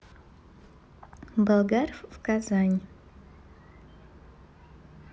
болгар в казань